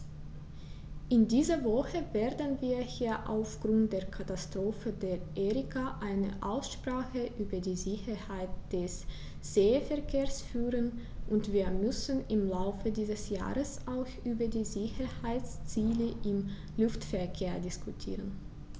In dieser Woche werden wir hier aufgrund der Katastrophe der Erika eine Aussprache über die Sicherheit des Seeverkehrs führen, und wir müssen im Laufe dieses Jahres auch über die Sicherheitsziele im Luftverkehr diskutieren.